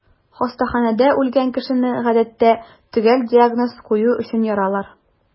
Хастаханәдә үлгән кешене, гадәттә, төгәл диагноз кую өчен яралар.